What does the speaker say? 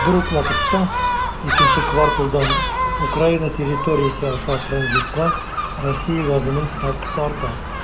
Бер үк вакытта икенче кварталдан Украина территориясе аша транзитка Россия газының ставкасы арта.